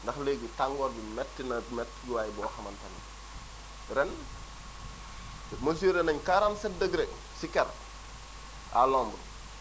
ndax léegi tàngoor bi métti na méttiwaay goo xamante ni ren mesuré nañ 47 degré si ker à l' ombre